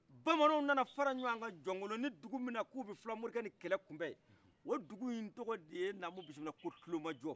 bamananw nana faran ɲɔgɔn kan jɔnkoloni dugu minna k'ubi fila mɔrikɛ ni kɛlɛ kunbɛ o dugu in tɔgɔ de ye ko kulomajɔ